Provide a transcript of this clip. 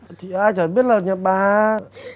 thì ai chả biết là nhà bà